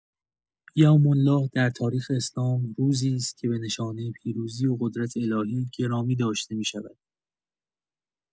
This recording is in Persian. یوم‌الله در تاریخ اسلام، روزی است که به نشانۀ پیروزی و قدرت الهی گرامی داشته می‌شود.